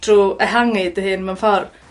trw ehangu dy hun mewn ffor'.